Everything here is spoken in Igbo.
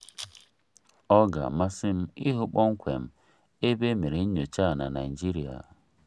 Ọ ga-amasị m ịhụ kpọmkwem EBE e mere nnyocha a na Naịjirịa.